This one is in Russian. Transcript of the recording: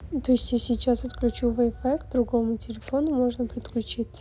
то есть я сейчас отключу вай фай к другому телефону можно подключиться